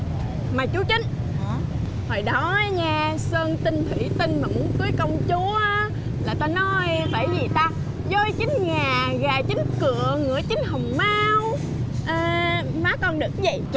mà chú chính hồi đó á nha sơn tinh thủy tinh mà muốn cưới công chúa á là ta nói phải gì ta voi chín ngà gà chín cựa ngựa chín hồng mao à má con được cái gì